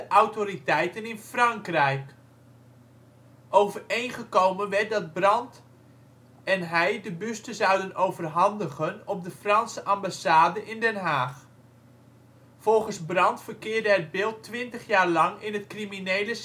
autoriteiten in Frankrijk. Overeengekomen werd dat Brand en hij de buste zouden overhandigen op de Franse ambassade in Den Haag. Volgens Brand verkeerde het beeld twintig jaar lang in het criminele